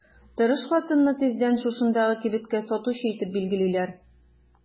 Тырыш хатынны тиздән шушындагы кибеткә сатучы итеп билгелиләр.